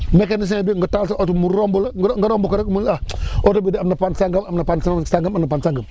mécanicien bi nga taal sa oto mu romb la nga romb ko rek mu ne ah oto bi de am na panne sangam am na panne sangam am na panne sangam